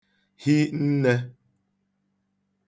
hi nnē